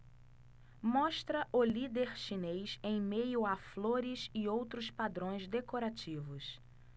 mostra o líder chinês em meio a flores e outros padrões decorativos